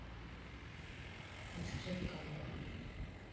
хочу запеканку